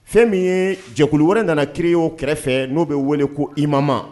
Fɛn min ye jɛkulu wɛrɛ nana créé o kɛrɛfɛ n'o bɛ wele ko IMAMA